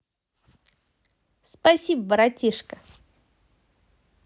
спасибо братишка